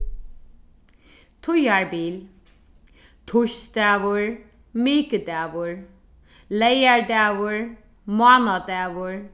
tíðarbil týsdagur mikudagur leygardagur mánadagur